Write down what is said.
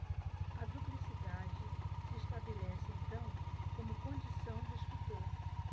a duplicidade se estabelece então como condição do escritor